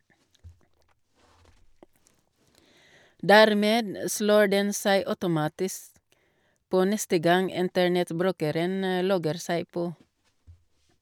Dermed slår den seg automatisk på neste gang internettbrukeren logger seg på.